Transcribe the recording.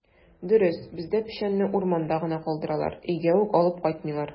Дөрес, бездә печәнне урманда гына калдыралар, өйгә үк алып кайтмыйлар.